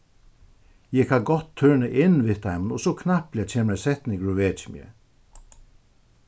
eg kann gott tørna inn við teimum og so knappliga kemur ein setningur og vekir meg